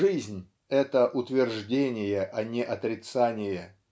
Жизнь -- это утверждение, а не отрицание.